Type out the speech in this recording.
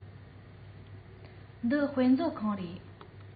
འདི དཔེ མཛོད ཁང རེད